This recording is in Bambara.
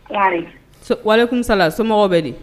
Wale kunsala somɔgɔw bɛ di